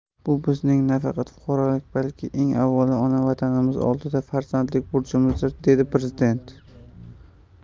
bu bizning nafaqat fuqarolik balki eng avvalo ona vatanimiz oldidagi farzandlik burchimizdir dedi prezident